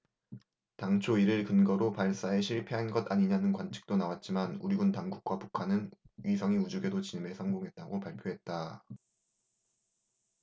당초 이를 근거로 발사에 실패한 것 아니냐는 관측도 나왔지만 우리 군 당국과 북한은 위성이 우주궤도 진입에 성공했다고 발표했다